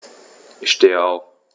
Ich stehe auf.